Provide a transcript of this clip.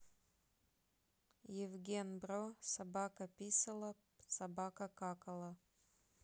евген бро собака писала собака какала